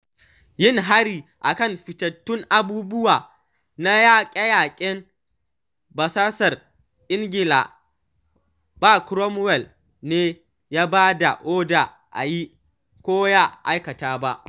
Yin hari a kan fitattun abubuwa na yaƙe-yaƙen basasar Ingila ba Cromwell ne ya ba da oda a yi ko ya aikata ba.